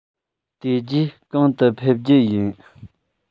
དེ རྗེས གང དུ ཕེབས རྒྱུ ཡིན